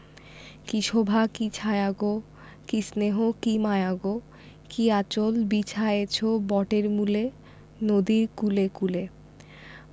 কী শোভা কী ছায়া গো কী স্নেহ কী মায়া গো কী আঁচল বিছায়েছ বটের মূলে নদীর কূলে কূলে